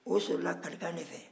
o sɔrɔla kalikan de fɛ